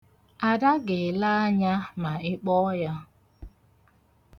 Ada ga-ele anya ma ị kpọ ya.